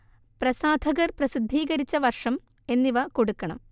പ്രസാധകർ പ്രസിദ്ധീകരിച്ച വർഷം എന്നിവ കൊടുക്കണം